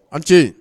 A ce yen